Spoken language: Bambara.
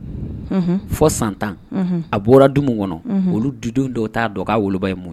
Unhun; Fo san 10;Unhun; a bɔra du mun kɔnɔ; Unhun; olu dudenw dɔw t'a dɔn k'a woloba ye mun ye.